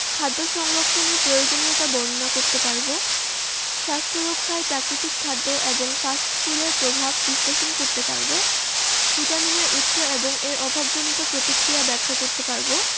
খাদ্য সংরক্ষণের প্রয়োজনীয়তা বর্ণনা করতে পারব স্বাস্থ্য রক্ষায় প্রাকৃতিক খাদ্য এবং ফাস্ট ফুডের প্রভাব বিশ্লেষণ করতে পারব ভিটামিনের উৎস এবং এর অভাবজনিত প্রতিক্রিয়া ব্যাখ্যা করতে পারব